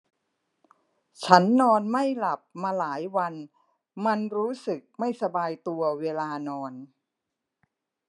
ฉันนอนไม่หลับมาหลายวันมันรู้สึกไม่สบายตัวเวลานอน